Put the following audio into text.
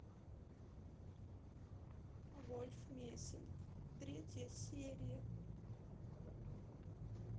вольф мессинг третья серия